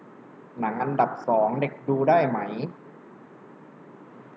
หนังอันดับสองเด็กดูได้ไหม